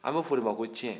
an b'a f'o de ma ko cɛn